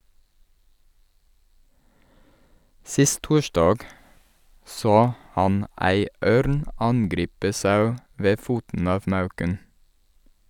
Sist torsdag så han ei ørn angripe sau ved foten av Mauken.